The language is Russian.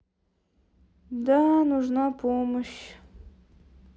да нужна помощь